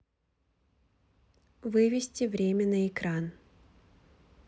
вывести время на экран